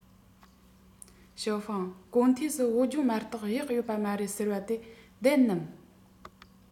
ཞའོ ཧྥུང གོ ཐོས སུ བོད ལྗོངས མ གཏོགས གཡག ཡོད པ མ རེད ཟེར བ དེ བདེན ནམ